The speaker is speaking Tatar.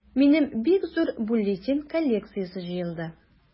Минем бик зур бюллетень коллекциясе җыелды.